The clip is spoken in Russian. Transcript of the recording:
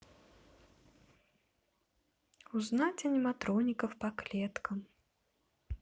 узнать аниматроников по клеткам